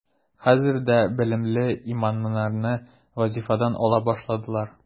Хәзер дә белемле имамнарны вазифадан ала башладылар.